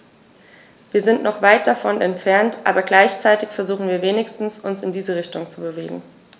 Wir sind noch weit davon entfernt, aber gleichzeitig versuchen wir wenigstens, uns in diese Richtung zu bewegen.